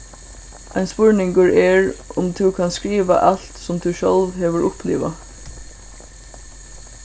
ein spurningur er um tú kanst skriva alt sum tú sjálv hevur upplivað